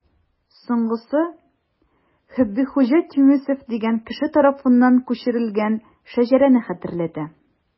Соңгысы Хөббихуҗа Тюмесев дигән кеше тарафыннан күчерелгән шәҗәрәне хәтерләтә.